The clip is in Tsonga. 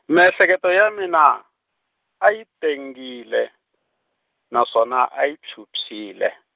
miehleketo ya mina, a yi tengile, naswona a yi phyuphyile.